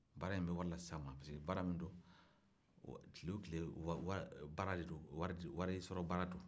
baara in wari las'a ma parce que baara min don tile o tile wari sɔrɔ baara de don